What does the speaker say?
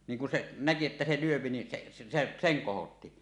niin kun se näki että se lyö niin se se sen kohotti